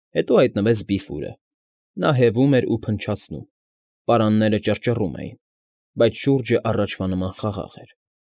Հետո հայտնվեց Բիֆուրը, նա հևում էր ու փնչացնում, պարանները ճռճռում էին, բայց շուրջը առաջվա նման խաղաղ էր։